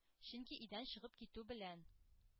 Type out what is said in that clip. Чөнки өйдән чыгып китү белән,